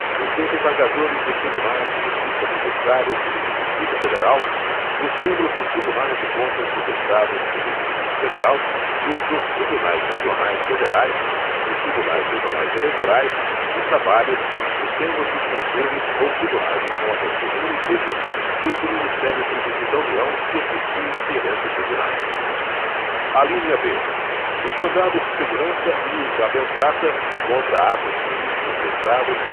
os desembargadores dos tribunais de justiça dos estados e do distrito federal os membros dos tribunais de contas dos estados e do distrito federal os dos tribunais regionais federais dos tribunais regionais eleitorais e do trabalho os membros dos conselhos ou tribunais de contas dos municípios e os do ministério público da união que oficiem perante tribunais alínea b os mandados de segurança e os habeas data contra ato de ministro de estado